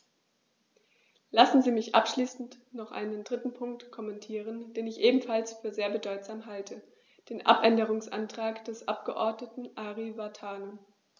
Lassen Sie mich abschließend noch einen dritten Punkt kommentieren, den ich ebenfalls für sehr bedeutsam halte: den Abänderungsantrag des Abgeordneten Ari Vatanen.